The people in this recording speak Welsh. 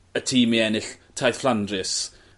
y tîm i ennill taith Fflandrys.